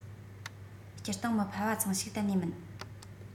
སྤྱིར བཏང མི ཕལ བ ཚང ཞིག གཏན ནས མིན